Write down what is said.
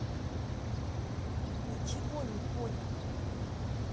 ничего не понял